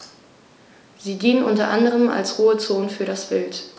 Sie dienen unter anderem als Ruhezonen für das Wild.